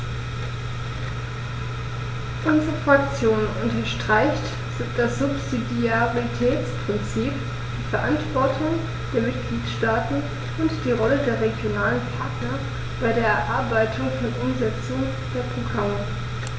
Unsere Fraktion unterstreicht das Subsidiaritätsprinzip, die Verantwortung der Mitgliedstaaten und die Rolle der regionalen Partner bei der Erarbeitung und Umsetzung der Programme.